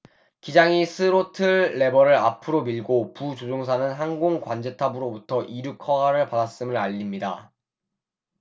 기장이 스로틀 레버를 앞으로 밀고 부조종사는 항공 관제탑으로부터 이륙 허가를 받았음을 알립니다